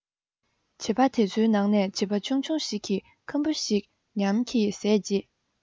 བྱིས པ དེ ཚོའི ནང ནས བྱིས པ ཆུང ཆུང ཞིག གིས ཁམ བུ ཞིམ ཉམས ཀྱིས བཟས རྗེས